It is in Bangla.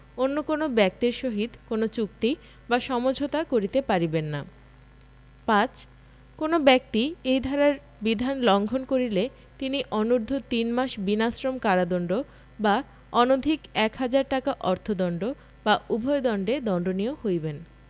অন্য কোন ব্যক্তির সহিত কোনো চুক্তি বা সমঝোতা করিতে পারিবেন না ৫ কোন ব্যক্তি এই ধারার বিধান লংঘন করিলে তিনি অনুর্ধ্ব তিনমাস বিনাশ্রম কারদন্ড বা অনধিক এক হাজার টাকা অর্থদন্ড বা উভয় দন্ডে দন্ডনীয় হইবেন